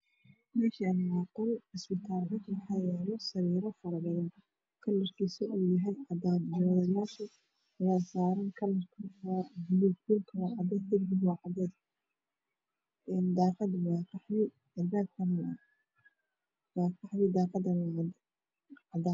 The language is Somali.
Meeshaan waa qol isbitaal ah waxaa yaalo sariiro faro badan kalarkiisu uu yahay cadaan. Joodariyaasha saaran waa buluug. Dhulkana waa cadeys, darbigana waa cadaan, daaqaduna waa cadaan, albaabkuna waa qaxwi .